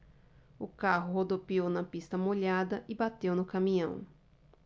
o carro rodopiou na pista molhada e bateu no caminhão